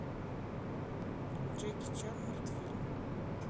джеки чан мультфильм